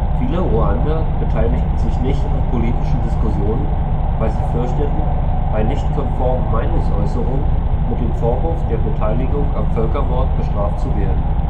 Viele Ruander beteiligen sich nicht an politischen Diskussionen, weil sie fürchten, bei nicht-konformen Meinungsäußerungen mit dem Vorwurf der Beteiligung am Völkermord bestraft zu werden